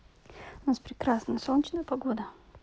у нас прекрасная солнечная погода